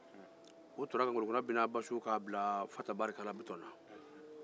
u ye ŋolokunna binaba su k'a bila bitɔn na